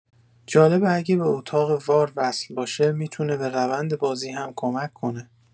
جالبه اگه به اتاق وار وصل باشه می‌تونه به روند بازی هم کمک کنه.